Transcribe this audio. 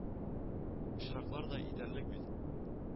Очраклар да итәрлек бит